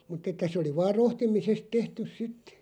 mutta että se oli vain rohtimisesta tehty sitten